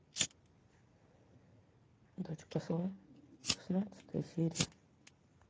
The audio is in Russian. дочь посла шестнадцатая серия